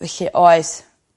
Felly oes.